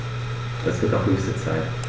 Das wird auch höchste Zeit!